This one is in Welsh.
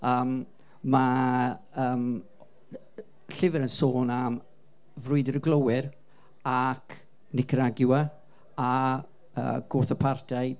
Yym ma' yym llyfr yn sôn am ffrwydr y glôwyr ac Nicaragua a gwrthapartiaid